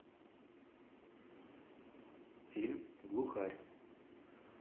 фильм глухарь